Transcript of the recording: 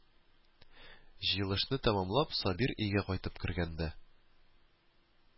Җыелышны тәмамлап Сабир өйгә кайтып кергәндә